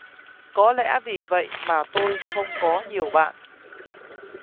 có lẽ vì vậy mà tôi không có nhiều bạn